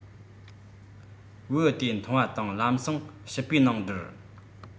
བེའུ དེ མཐོང བ དང ལམ སེང ཕྱུ པའི ནང སྒྲིལ